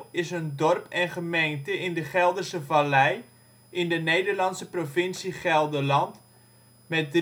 is een dorp en gemeente in de Gelderse Vallei, in de Nederlandse provincie Gelderland met